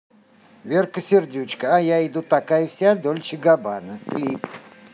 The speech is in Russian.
верка сердючка а я иду такая вся дольче габбана клип